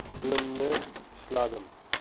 tilimni tishladim